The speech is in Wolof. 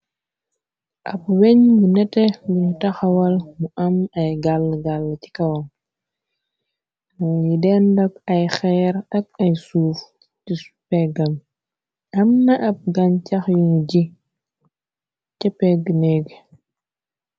Ab weñ bu nete binu taxawal mu am ay gàll gàll ci kawam, moonyi dendak ay xeer ak ay suuf ti peggam, am na ab gañcax yuñu ji ca pegg neeg bi.